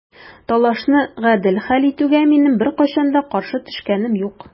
Талашны гадел хәл итүгә минем беркайчан да каршы төшкәнем юк.